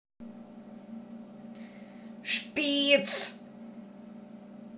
шпиц